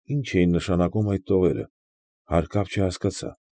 Ի՞նչ էին նշանակում այդ տողերը ֊ հարկավ չհասկացա։